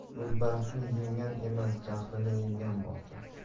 yo'lbarsni yenggan emas jahlni yenggan botir